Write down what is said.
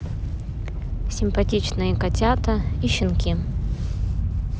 симпатичные котята и щенки